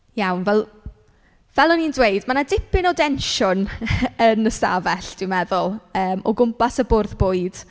Iawn, fel- fel o'n i'n dweud, ma' 'na dipyn o densiwn yn y 'stafell dwi'n meddwl o gwmpas y bwrdd bwyd.